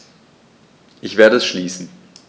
Ich werde es schließen.